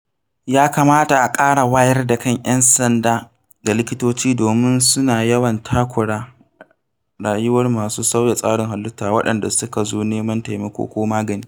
Ya kamata a ƙara wayar da kan 'yan sanda da likitoci domin suna yawan takura rayuwar masu sauya tsarin halitta waɗanda suka zo neman taimako ko magani.